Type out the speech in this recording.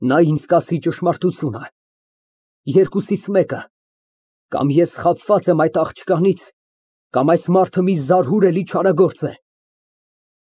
Նա ինձ կասի ճշմարտությունը։ Երկուսից մեկը ֊ կամ ես խաբված եմ այդ աղջկանից, կամ այս մարդը մի զարհուրել չարագործ է։